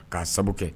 K'a sababu kɛ